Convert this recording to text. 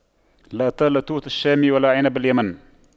لا طال توت الشام ولا عنب اليمن